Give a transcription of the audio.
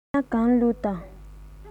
བྱས ན གང བླུགས དང